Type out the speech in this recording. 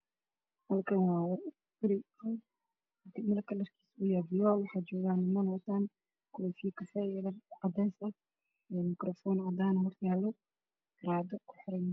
Halkaan waa guri kalarkiisu uu yahay fiyool waxaa joogo niman wato koofi kafay ah iyo dhar cadeys ah, makaroofan cadaan ah ayaa horyaalo iyo baakad.